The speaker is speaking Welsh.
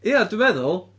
Ia, dwi'n meddwl.